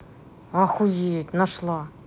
ахуеть нашла